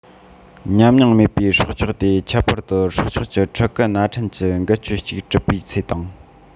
ཉམས མྱོང མེད པའི སྲོག ཆགས ཏེ ཁྱད པར དུ སྲོག ཆགས ཀྱི ཕྲུ གུ ན ཕྲན གྱིས འགུལ སྐྱོད ཅིག འགྲུབ པའི ཚེ དང